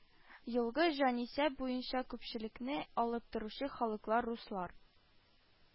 Елгы җанисәп буенча күпчелекне алып торучы халыклар: руслар